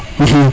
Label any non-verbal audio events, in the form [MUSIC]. [HESITATION] [HESITATION]